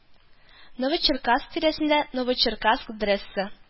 Новочеркаск тирәсендә Новочеркаск ДРЭС-ы